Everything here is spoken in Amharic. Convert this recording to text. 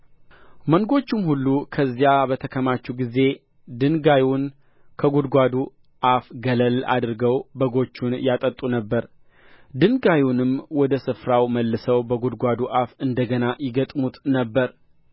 መንጎችም ሁሉ ከዚያ በተከማቹ ጊዜ ድንጋዩን ከጕድጓዱ አፍ ገለል አድርገው በጎቹን ያጠጡ ነበር ድንጋዩንም ወደ ስፍራው መልሰው በጕድጓዱ አፍ እንደ ገና ይገጥሙት ነበር